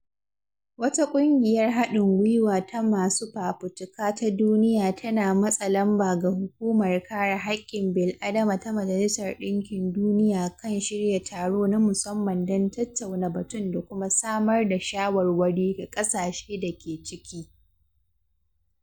Wata ƙungiyar haɗin gwiwa ta masu fafutuka ta duniya tana matsa lamba ga Hukumar Kare Haƙƙin Bil'adama ta Majalisar Ɗinkin Duniya kan shirya taro na musamman don tattauna batun da kuma samar da shawarwari ga ƙasashe da ke ciki.